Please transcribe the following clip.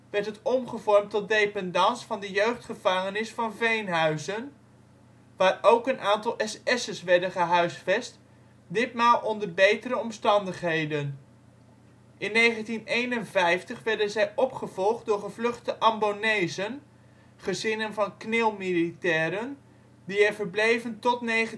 werd het omgevormd tot dependance van de jeugdgevangenis van Veenhuizen, waar ook een aantal SS'ers werden gehuisvest, ditmaal onder betere omstandigheden. In 1951 werden zij opgevolgd door gevluchte Ambonezen (gezinnen van KNIL-militairen), die er verbleven tot 1964